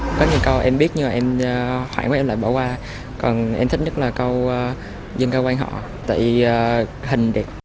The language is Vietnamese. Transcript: có nhiều câu em biết nhưng mà em hoảng quá em lại bỏ qua còn em thích nhất là câu dân ca quan họ tại hình đẹp